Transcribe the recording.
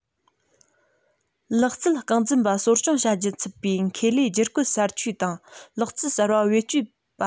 ལག རྩལ རྐང འཛིན པ གསོ སྐྱོང བྱ རྒྱུ ཚུད པའི ཁེ ལས བསྒྱུར བཀོད གསར བཅོས དང ལག རྩལ གསར པ བེད སྤྱོད པ